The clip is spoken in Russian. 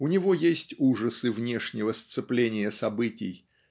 У него есть ужасы внешнего сцепления событий